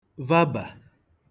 vabà